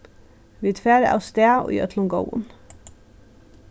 vit fara avstað í øllum góðum